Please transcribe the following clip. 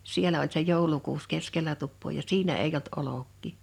siellä oli se joulukuusi keskellä tupaa ja siinä ei ollut olkia